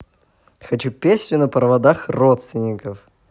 хочу песню на проводах родственников